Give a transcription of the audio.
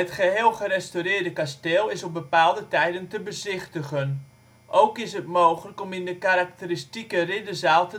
geheel gerestaureerde kasteel is (2004) op bepaalde tijden te bezichtigen. Ook is het mogelijk om in de karakteristieke Ridderzaal